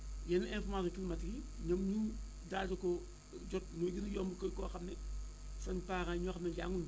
yenn informations climatiques yi ñoom ñu daal di ko jot mooy gën a yomb que koo xam ne seen parents ñoo xam ne jànguñu